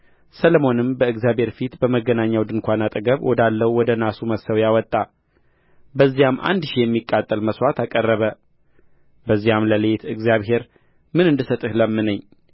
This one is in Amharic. ሰሎሞንም በእግዚአብሔር ፊት በመገናኛው ድንኳን አጠገብ ወዳለው ወደ ናሱ መሠዊያ ወጣ በዚያም አንድ ሺህ የሚቃጠል መሥዋዕት አቀረበ በዚያም ሌሊት እግዚአብሔር ምን እንድሰጥህ ለምነኝ